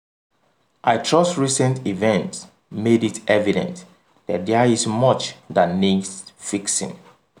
I trust recent events made it evident that there is much that needs fixing.